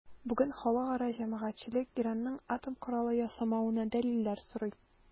Бүген халыкара җәмәгатьчелек Иранның атом коралы ясамавына дәлилләр сорый.